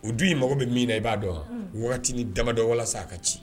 Ni du in mago bɛ min na i b'a dɔn wa? wagati ni damadɔ walasa a ka ci